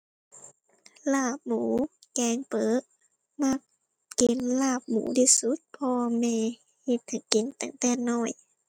ลาบหมู แกงเปรอะ มักกินลาบหมูที่สุด เพราะว่าแม่เฮ็ดให้กินตั้งแต่น้อย